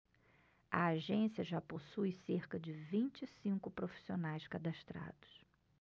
a agência já possui cerca de vinte e cinco profissionais cadastrados